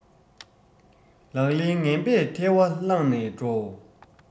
ལག ལེན ངན པས ཐལ བ བསླངས ནས འགྲོ